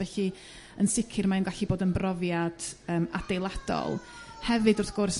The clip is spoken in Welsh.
felly yn sicr mae'n gallu bod yn brofiad yrm adeiladol hefyd wrth gwrs